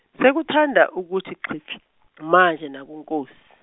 sekuthanda ukuthi xhifi, manje nakuNkosi.